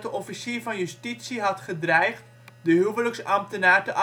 officier van justitie had gedreigd de huwelijksambtenaar te